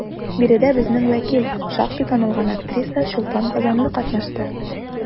Биредә безнең вәкил, шактый танылган актриса Чулпан Казанлы катнашты.